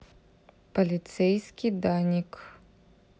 полицейский даник